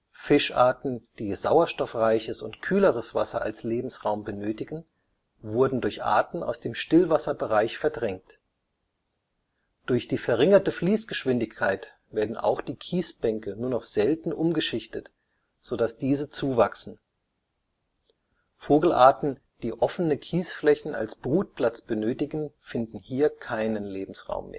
Fischarten, die sauerstoffreiches und kühleres Wasser als Lebensraum benötigen, wurden durch Arten aus dem Stillwasserbereich verdrängt. Durch die verringerte Fließgeschwindigkeit werden auch die Kiesbänke nur noch selten umgeschichtet, so dass diese zuwachsen. Vogelarten, die offene Kiesflächen als Brutplatz benötigen, finden hier keinen Lebensraum